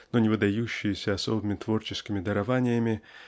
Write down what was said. но не выдающиеся особыми творческими дарованиями